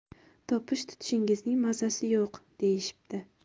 topish tutishingizning mazasi yo'q deyishibdi